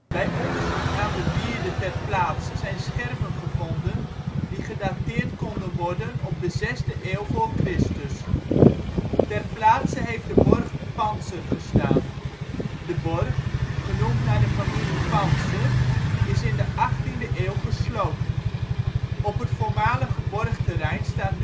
Bij onderzoek aan de wierde ter plaatse zijn scherven gevonden die gedateerd konden worden op de zesde eeuw voor christus. Boerderij de Panser in de gelijknamige buurtschap in de gemeente De Marne Ter plaatse heeft de borg Panser gestaan. De borg, genoemd naar de familie Panser, is in de achttiende eeuw gesloopt. Op het voormalige borgterrein staat